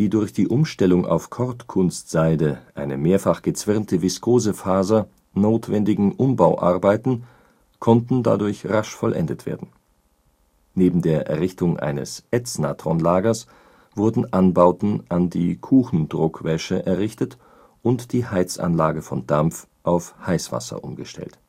durch die Umstellung auf Cordkunstseide, eine mehrfach gezwirnte Viskosefaser, notwendigen Umbauarbeiten konnten dadurch rasch vollendet werden. Neben der Errichtung eines Ätznatronlagers wurden Anbauten an die Kuchendruckwäsche errichtet und die Heizanlage von Dampf auf Heißwasser umgestellt